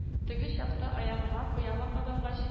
– теге чакта, аягыңа пыяла кадалгач